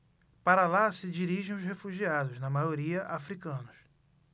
para lá se dirigem os refugiados na maioria hútus